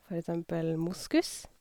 For eksempel moskus.